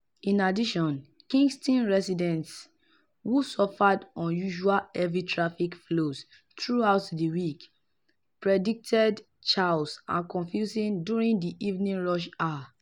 In addition, Kingston residents, who suffered unusually heavy traffic flows throughout the week, predicted chaos and confusion during the evening rush hour.